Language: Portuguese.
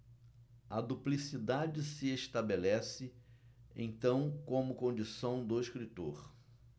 a duplicidade se estabelece então como condição do escritor